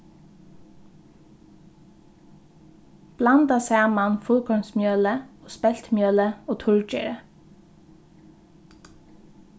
blanda saman fullkornsmjølið og speltmjølið og turrgerið